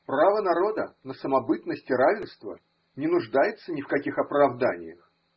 Право народа на самобытность и равенство не нуждается ни в каких оправданиях.